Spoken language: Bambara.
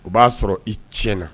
O b'a sɔrɔ i tiɲɛna